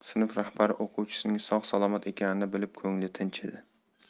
sinf rahbari o'quvchisining sog' salomat ekanini bilib ko'ngli tinchidi